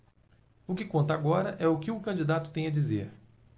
o que conta agora é o que o candidato tem a dizer